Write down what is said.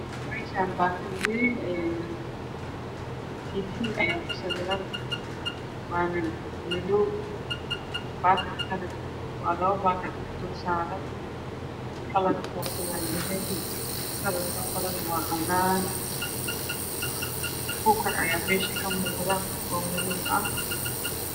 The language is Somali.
Meshan bakd wen Aya yaalotifi ayyakusawiran waana madow bakadan Labobakad isdulsaran kalarka hose waa dahabi kalarka korana waa cadan ku kar ayaamesh kamuqdo